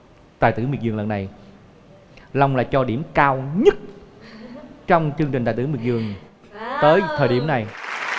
tài tử miệt vườn lần này long là cho điểm cao nhất trong chương trình tài tử miệt vườn tới thời điểm này